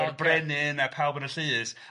efo'r brenin a pawb yn y llys... Ocê